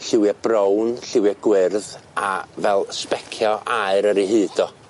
Lluwie brown lluwie gwyrdd a fel sbecio aur ar ei hyd o.